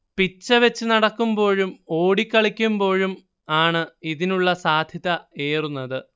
പിച്ചവച്ചു നടക്കുമ്പോഴും ഓടിക്കളിക്കുമ്പോഴും ആണ് ഇതിനുള്ള സാധ്യത ഏറുന്നത്